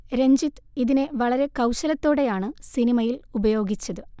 രഞ്ജിത് ഇതിനെ വളരെ കൗശലത്തോടെയാണ് സിനിമയിൽ ഉപയോഗിച്ചത്